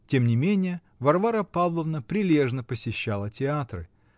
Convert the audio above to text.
тем не менее Варвара Павловна прилежно посещала театры.